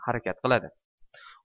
harakat qiladi